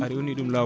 a rewni ɗum lawol